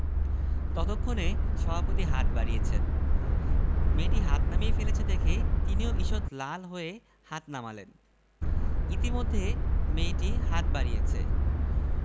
পুরস্কার বিতরণী অনুষ্ঠান কি আপনারা কখনো মন দিয়ে লক্ষ্য করেছেন ঠিক আছে দৃশ্যটি কল্পনা করুন গুরুগম্ভীর একজন সভাপতি পুরস্কার দিচ্ছেন পুরস্কার নিচ্ছে একটি